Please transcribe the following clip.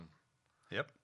Hmm. Ia.